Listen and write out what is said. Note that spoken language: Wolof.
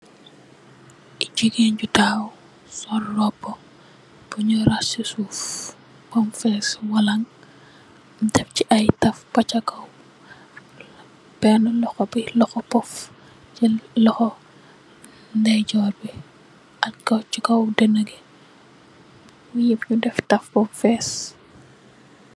Gigain ju tahaw sol robu bunyu rass sey suuf bem fess ak walang def sey i taff bacha kaw bena loho bi loho poff jel loho ndey jorr bi ajj ko sey kaw denagi yi nyu deff taff bam fess.